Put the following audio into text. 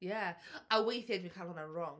Ie, a weithiau dwi'n cael hwnna'n wrong...